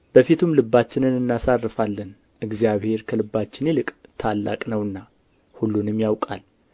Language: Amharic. በፊቱም ልባችንን እናሳርፋለን እግዚአብሔር ከልባችን ይልቅ ታላቅ ነውና ሁሉንም ያውቃል